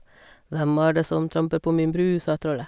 , sa trollet.